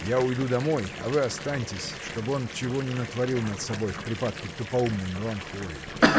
Я уйду домой, а вы останьтесь, чтоб он чего не натворил над собой в припадке тупоумной меланхолии.